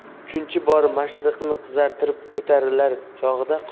uchinchi bor mashriqni qizartirib ko'tarilar chog'ida